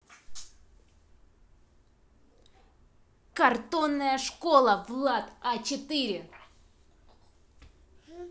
картонная школа влад а четыре